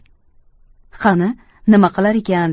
qani nima qilar ekan